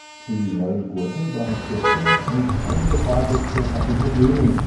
Die neuen Gurte waren kürzer und einige Fahrgäste hatten Probleme mit